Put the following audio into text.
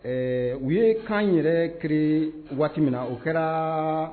Ɛɛ u ye kan yɛrɛ kari waati min na o kɛra